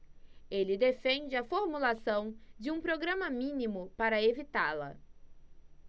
ele defende a formulação de um programa mínimo para evitá-la